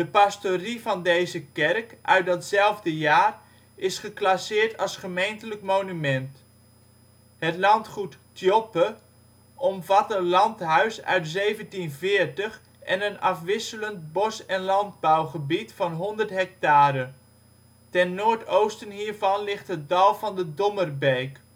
pastorie van deze kerk, uit hetzelfde jaar, is geklasseerd als gemeentelijk monument. Het landgoed ' t Joppe omvat een landhuis uit 1740 en een afwisselend bos - en landbouwgebied van 100 hectare. Ten noordoosten hiervan ligt het dal van de Dommerbeek